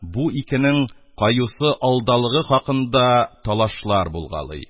Бу икенең каюсы алдалыгы хакында талашлар булгалый: